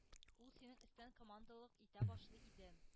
Ул синең өстән командалык итә башлый иде.